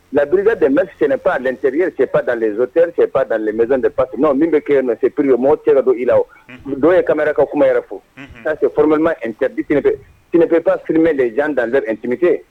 Labridadme sɛnɛp cresɛpda zorerisɛp da 0z depkiina min bɛ kɛ na se pereriye maaw tɛ dɔ don i la dɔw ye kamara ka kuma yɛrɛ fɔ'ase forommap fpsme de jan dantettpte